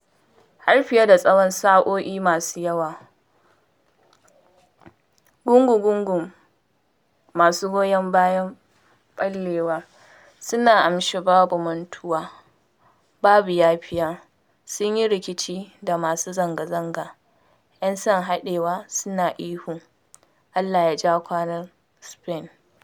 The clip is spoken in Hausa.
Har fiye da tsawon sa’o’i masu yawa gungu-gungun masu goyon bayan ɓallewar suna amshi “Babu mantuwa, babu yafiya” sun yi rikici da masu zanga-zanga ‘yan son haɗewa suna ihu, Allah ya ja kwanan Spain.”